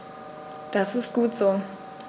Das ist gut so.